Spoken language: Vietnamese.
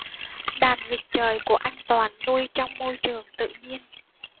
đàn vịt trời của anh toàn nuôi trong môi trường tự nhiên